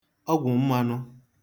ọgwụ̀ mmānụ̄